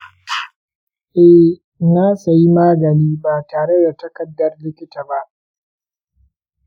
eh, na sayi magani ba tare da takardar likita ba.